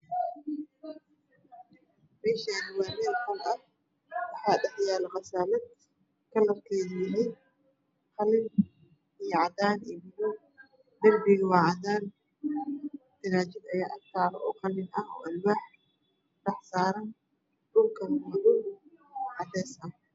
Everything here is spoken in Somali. Meshani wa meel qol ah waxa dhax yalo qazaalad kalrkeedu yahay qalin iyo cadaan iyo paluug darpiga waa cadaa taalagad aya ag taalo qalin aha oo alwaax sasan dhulkana wa dhul cadees ah